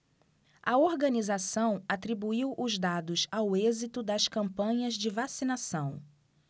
a organização atribuiu os dados ao êxito das campanhas de vacinação